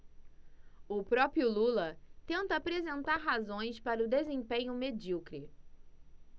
o próprio lula tenta apresentar razões para o desempenho medíocre